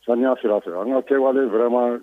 Sanuya sira fɛ an ka kɛwalew vraiment